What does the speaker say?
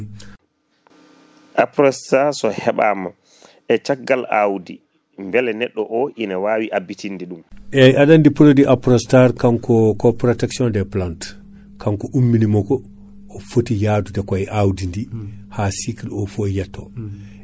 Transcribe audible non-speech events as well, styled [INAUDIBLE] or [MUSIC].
won hewɓe kaadi ina keeɓa prduit ji tan cikka ko Aprostar tawa ganda ko Aprostar kutoro ɗum daña hen caɗele kono soɓe duttima tan ɓe jokkodiri e amen tan [BREATH] hamin kalde mabɓe tan ina hewi yitede [BREATH] taw kaadi kamɓe kaadi won koɓi koo jiida e koɓe ponno hebde ko